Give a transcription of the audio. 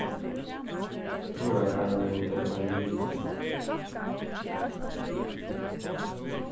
durakarmurin er ov lítil